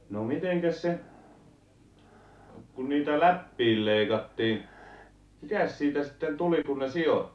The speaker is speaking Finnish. no mitenkäs se kun niitä läppiä leikattiin mitäs siitä sitten tuli kun ne sidottiin